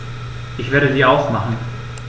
Ich werde sie ausmachen.